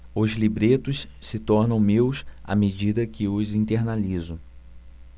os libretos se tornam meus à medida que os internalizo